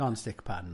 Non-stickpan.